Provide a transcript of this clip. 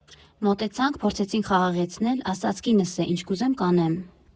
«Մոտեցանք, փորձեցինք խաղաղեցնել, ասաց՝ կինս է, ինչ կուզեմ, կանեմ։